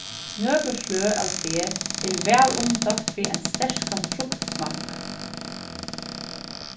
nøkur sløg av te eru væl umtókt fyri ein sterkan fruktsmakk